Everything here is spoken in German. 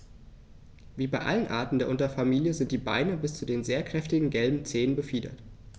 Wie bei allen Arten der Unterfamilie sind die Beine bis zu den sehr kräftigen gelben Zehen befiedert.